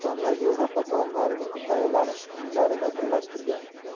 va yevropa taomlarining tayyorlanish usullarini birlashtirgan